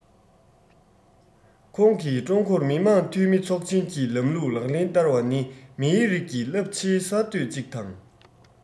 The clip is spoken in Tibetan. ཁོང གིས ཀྲུང གོར མི དམངས འཐུས མི ཚོགས ཆེན གྱི ལམ ལུགས ལག ལེན བསྟར བ ནི མིའི རིགས ཀྱི རླབས ཆེའི གསར གཏོད ཅིག དང